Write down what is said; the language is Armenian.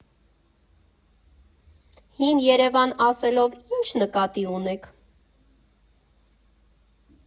Հին Երևան ասելով ի՞նչ նկատի ունենք։